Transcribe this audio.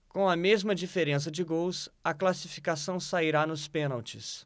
com a mesma diferença de gols a classificação sairá nos pênaltis